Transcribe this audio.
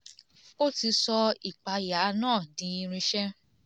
O ti sọ ìpayà náà di irinṣẹ́.